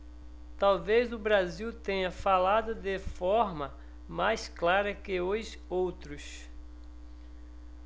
talvez o brasil tenha falado de forma mais clara que os outros